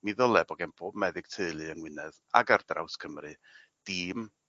Mi ddyle bo' gen bob meddyg teulu yng Ngwynedd ag ar draws Cymru dîm